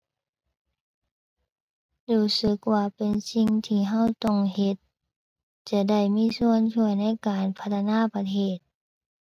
รู้สึกว่าเป็นสิ่งที่เราต้องเฮ็ด จะได้มีส่วนช่วยในการพัฒนาประเทศ